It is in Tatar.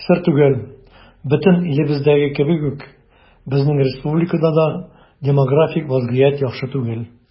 Сер түгел, бөтен илебездәге кебек үк безнең республикада да демографик вазгыять яхшы түгел.